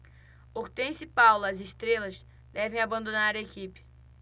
hortência e paula as estrelas devem abandonar a equipe